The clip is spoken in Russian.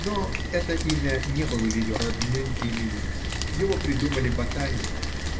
Но это имя не было ее родным именем: его придумали ботаники.